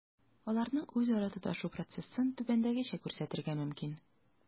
Аларның үзара тоташу процессын түбәндәгечә күрсәтергә мөмкин: